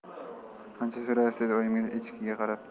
qancha so'raysiz dedi oyimgamas echkiga qarab